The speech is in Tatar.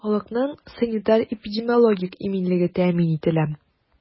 Халыкның санитар-эпидемиологик иминлеге тәэмин ителә.